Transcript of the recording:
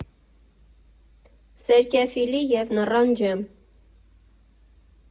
Սերկևիլի և նռան ջեմ։